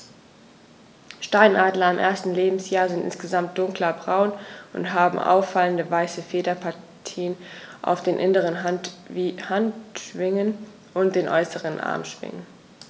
Steinadler im ersten Lebensjahr sind insgesamt dunkler braun und haben auffallende, weiße Federpartien auf den inneren Handschwingen und den äußeren Armschwingen.